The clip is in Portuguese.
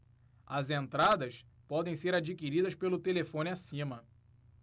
as entradas podem ser adquiridas pelo telefone acima